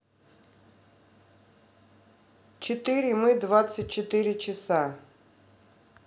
четыре мы двадцать четыре часа